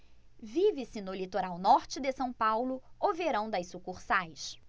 vive-se no litoral norte de são paulo o verão das sucursais